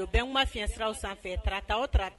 bɛn kuma fiɲɛsiraw sanfɛ tarata o tarata